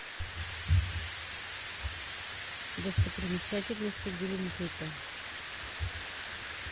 достопримечательности геленджика